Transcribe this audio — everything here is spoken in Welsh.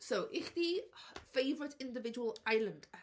So, i chdi favourite individual islander?